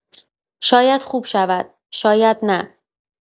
شاید خوب شود، شاید نه.